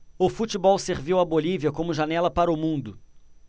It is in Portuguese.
o futebol serviu à bolívia como janela para o mundo